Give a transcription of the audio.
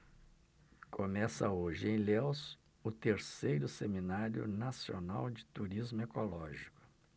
começa hoje em ilhéus o terceiro seminário nacional de turismo ecológico